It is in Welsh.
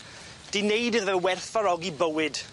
'Di neud iddo fe werthfawrogi bywyd.